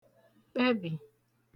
kpẹbì